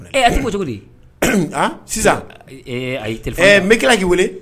A tɛ ko cogo di aa sisan a ye terikɛ mɛ kira k'i weele